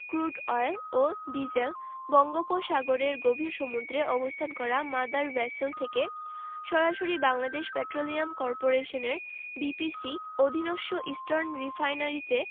crude oil ও diesel বঙ্গোপসাগরের গভীর সমুদ্রে অবস্থান করা মাদার ভেসেল থেকে সরাসরি বাংলাদেশ পেট্রোলিয়াম করপোরেশনের বিপিসি অধীনস্থ ইস্টার্ন রিফাইনারিতে